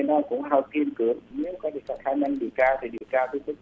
nào cũng hao tiền cước nếu có khả năng điều tra thì điều